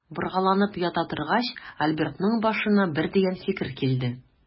Боргаланып ята торгач, Альбертның башына бер дигән фикер килде.